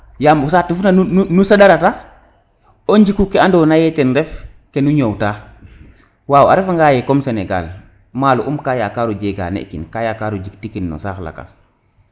yaam saate fu ref na nu saɗarata o njiku ke ando naye ten ref kenu ñowta wa a refa nga ye comme senegal maalo um ka yakaro jegane kin ka yakaro jik ti kin no saate fo lakas